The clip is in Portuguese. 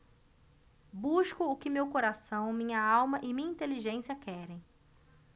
busco o que meu coração minha alma e minha inteligência querem